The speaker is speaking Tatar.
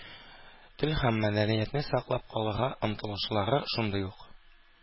Тел һәм мәдәниятне саклап калырга омтылышлары шундый ук.